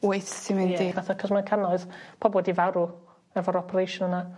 Wyt ti mynd i... Ie. ...fatha 'c'os mae cannoedd pobol 'di farw efo'r operation yna.